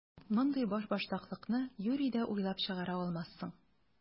Мондый башбаштаклыкны юри дә уйлап чыгара алмассың!